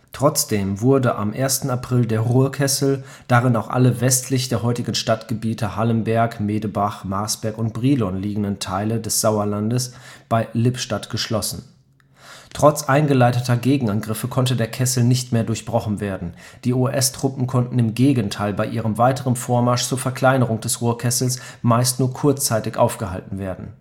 Trotzdem wurde am 1. April der Ruhrkessel, darin auch alle westlich der heutigen Stadtgebiete Hallenberg, Medebach, Marsberg und Brilon liegenden Teile des Sauerlandes, bei Lippstadt geschlossen. Trotz eingeleiteter Gegenangriffe konnte der Kessel nicht mehr durchbrochen werden. Die US-Truppen konnten im Gegenteil bei ihrem weiteren Vormarsch zur Verkleinerung des Ruhrkessels meist nur kurzzeitig aufgehalten werden